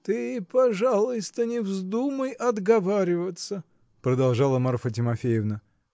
-- Ты, пожалуйста, не вздумай отговариваться, -- продолжала Марфа Тимофеевна.